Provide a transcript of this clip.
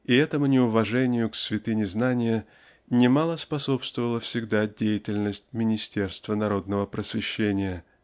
И этому неуважению к святыне знания немало способствовала всегда деятельность министерства народного просвещения.